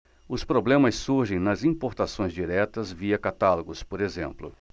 os problemas surgem nas importações diretas via catálogos por exemplo